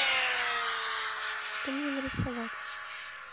что мне нарисовать